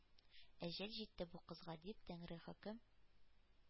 «әҗәл җитте бу кызга!»— дип, тәңре хөкем